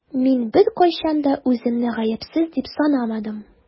Мин беркайчан да үземне гаепсез дип санамадым.